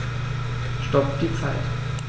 Stopp die Zeit